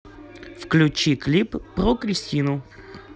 включи клипы про кристину